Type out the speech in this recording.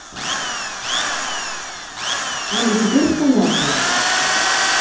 алиса первый канал пожалуйста